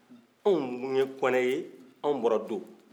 anw minnuw ye kɔnɛ ye anw bɔra do